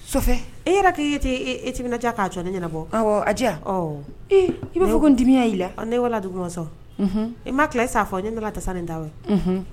E yɛrɛ' ee e ti bɛna diya k'a jɔ ne ɲɛnabɔ i bɛ fɔ ko n dimiya' la ne wa dugusɔn i ma tile sa fɔ n ne tɛna taa sa nin ta ye